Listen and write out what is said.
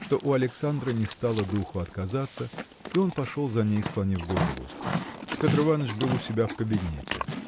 что у Александра не стало духу отказаться и он пошел за ней склонив голову. Петр Иваныч был у себя в кабинете.